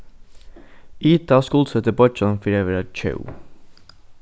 ida skuldsetti beiggjan fyri at vera tjóv